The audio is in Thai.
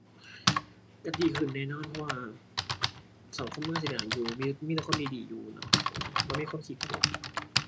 ก็ดีขึ้นแน่นอนเพราะว่า สังคมมันก็สิได้น่าอยู่ มี มีแต่คนดีดีอยู่เนาะ เออ บ่มีคนขี้โกง